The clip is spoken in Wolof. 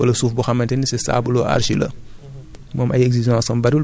mën na cee dund wala suuf boo xamante ne c' est sableux argileux